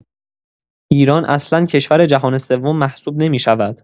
ایران اصلا کشور جهان سوم محسوب نمی‌شود.